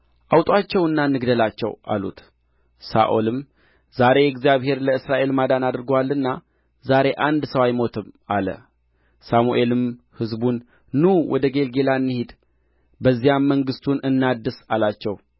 አውጡአቸውና እንግደላቸው አሉት ሳኦልም ዛሬ እግዚአብሔር ለእስራኤል ማዳን አድርጎአልና ዛሬ አንድ ሰው አይሞትም አለ ሳሙኤልም ሕዝቡን ኑ ወደ ጌልገላ እንሂድ በዚያም መንግሥቱን እናድስ አላቸው